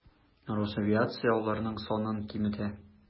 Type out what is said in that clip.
Росавиация аларның санын киметә.